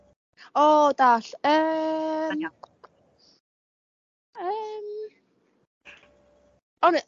O dalld yym yym on-